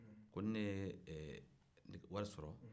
ko ni ne ye wari sɔrɔ